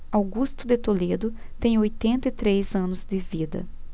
augusto de toledo tem oitenta e três anos de vida